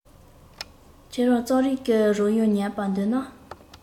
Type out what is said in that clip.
ཁྱོད རང རྩོམ རིག གི རོལ དབྱངས ཉན པར འདོད ན